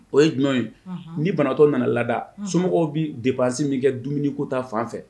O ye jumɛn ye ni banatɔ nana laadada somɔgɔw bɛ depsi min kɛ dumuni kota fan fɛ